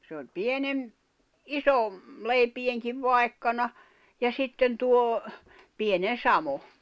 se oli - iso leipienkin vaikkana ja sitten tuo pienen samoin